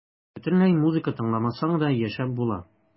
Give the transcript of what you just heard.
Бөтенләй музыка тыңламасаң да яшәп була.